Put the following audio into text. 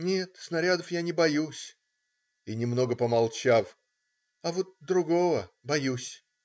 "Нет, снарядов я не боюсь,- и, немного помолчав,- а вот другого боюсь".